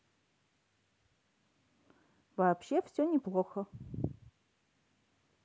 вообще все неплохо